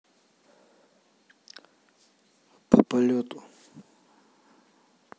по полету